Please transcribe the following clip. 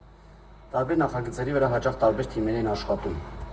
Տարբեր նախագծերի վրա հաճախ տարբեր թիմեր են աշխատում։